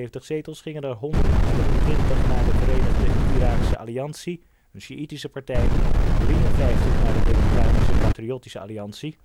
de 275 zetels gingen er 128 naar de Verenigde Iraakse Alliantie (sjiitisch), 53 naar de Democratische Patriottische Alliantie